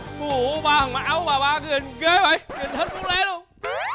ù ôi ba thằng mặc áo bà ba kìa nhìn ghê vậy nhìn hết muốn lé luôn